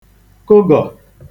kụgọ